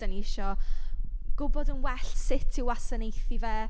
Dan ni isio gwbod yn well sut i wasanaethu fe.